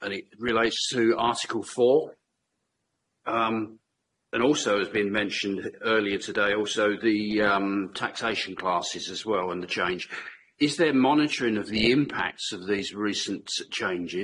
It relates to article four, yym and also has been mentioned earlier today, also the taxation classes as well and the change. Is there monitoring of the impacts of these recent changes?